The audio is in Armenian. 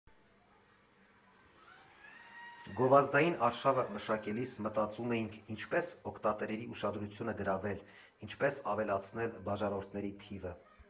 ֊ Գովազդային արշավը մշակելիս մտածում էինք՝ ինչպե՞ս օգտատերերի ուշադրությունը գրավել, ինչպես ավելացնել բաժանորդների թիվը։